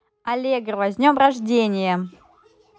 аллегрова с днем рождения